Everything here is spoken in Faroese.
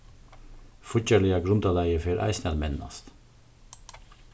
fíggjarliga grundarlagið fer eisini at mennast